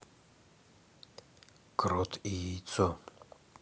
крот и яйцо